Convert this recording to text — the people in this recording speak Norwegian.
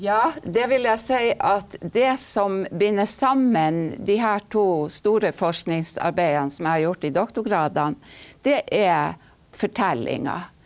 ja det vil jeg si at det som binder sammen de her to store forskningsarbeidene som jeg har gjort i doktorgradene, det er fortellinger.